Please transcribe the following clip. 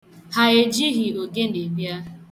Ha ejighi ogene bịa.